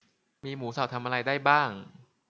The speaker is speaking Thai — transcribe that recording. มีหมูสับทำอะไรได้บ้าง